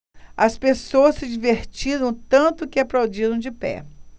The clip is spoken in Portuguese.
as pessoas se divertiram tanto que aplaudiram de pé